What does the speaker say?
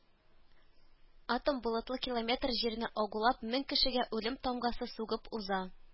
Атом болыты километр җирне агулап мең кешегә үлем тамгасы сугып уза.